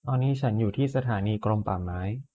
ตอนนี้ฉันอยู่ที่สถานีกรมป่าไม้